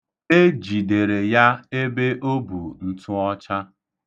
E jidere ya ebe o bu ntụọcha.